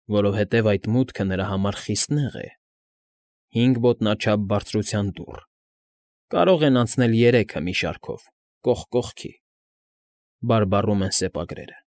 Որովհետև այդ մուտքը նրա համար խիստ նեղ է։ «Հինգ ոտնաչափ բարձրության դուռ, կարող են անցնել երեքը մի շարքով, կողք կողքի», բարբառում են սեպագրերը։